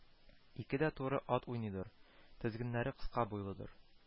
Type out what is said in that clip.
Ике дә туры ат уйныйдыр //Тезгеннәре кыска буйлыдыр